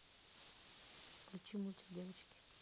включи мультик девочки